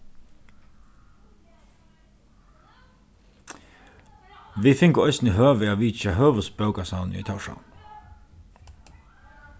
vit fingu eisini høvi at vitja høvuðsbókasavnið í tórshavn